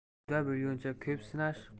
quda bo'lguncha ko'p sinash